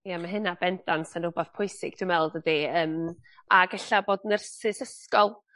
Ia ma' hyna bendant yn rwbath pwysig dwi me'wl dydi yym ag ella bod nyrsys ysgol